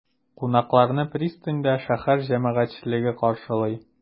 Кунакларны пристаньда шәһәр җәмәгатьчелеге каршылый.